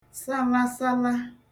salasala